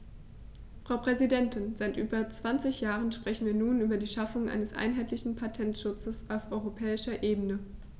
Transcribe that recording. Frau Präsidentin, seit über 20 Jahren sprechen wir nun über die Schaffung eines einheitlichen Patentschutzes auf europäischer Ebene.